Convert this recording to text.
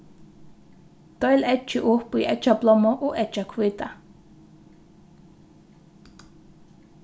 deil eggið upp í eggjablommu og eggjahvíta